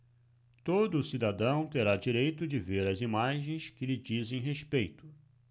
todo cidadão terá direito de ver as imagens que lhe dizem respeito